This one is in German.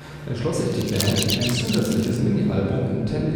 Band, ein zusätzliches Mini-Album im 10